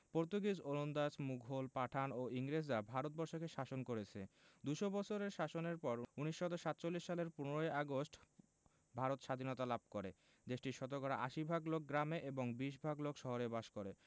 Portuguese ওলন্দাজ মুঘল পাঠান ও ইংরেজরা ভারত বর্ষকে শাসন করেছে দু'শ বছরের শাসনের পর ১৯৪৭ সালের ১৫ ই আগস্ট ভারত সাধীনতা লাভ করেদেশটির শতকরা ৮০ ভাগ লোক গ্রামে এবং ২০ ভাগ লোক শহরে বাস করে